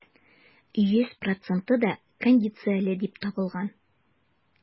Йөз проценты да кондицияле дип табылган.